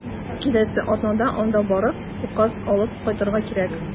Киләсе атнада анда барып, указ алып кайтырга кирәк.